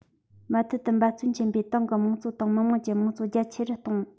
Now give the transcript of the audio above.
མུ མཐུད དུ འབད བརྩོན ཆེན པོས ཏང ནང གི དམངས གཙོ དང མི དམངས ཀྱི དམངས གཙོ རྒྱ ཆེ རུ གཏོང